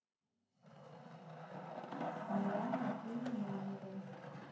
милана филимонова